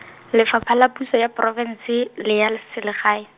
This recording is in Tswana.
Lefapha la Puso ya Porofense le ya le Selegae.